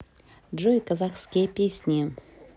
джой казахские песни